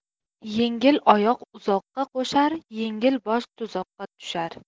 yengil oyoq uzoqqa qo'shar yengil bosh tuzoqqa tushar